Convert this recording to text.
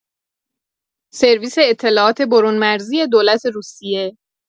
سرویس اطلاعات برون‌مرزی دولت روسیه